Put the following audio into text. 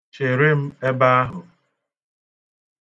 Chere m ebe ahụ.